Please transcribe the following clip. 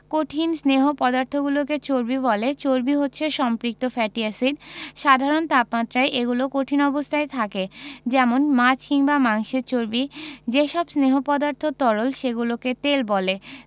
কঠিন স্নেহ পদার্থগুলোকে চর্বি বলে চর্বি হচ্ছে সম্পৃক্ত ফ্যাটি এসিড সাধারণ তাপমাত্রায় এগুলো কঠিন অবস্থায় থাকে যেমন মাছ কিংবা মাংসের চর্বি যেসব স্নেহ পদার্থ তরল সেগুলোকে তেল বলে